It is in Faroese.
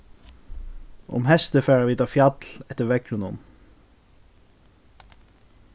um heystið fara vit á fjall eftir veðrunum